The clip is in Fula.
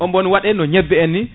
o mon waɗa no ñebbe en ni